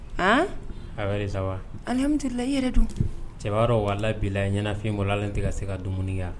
A asa alimlila yɛrɛ don cɛba walabilala a ɲɛnafin bolo la tɛ se ka dumuniya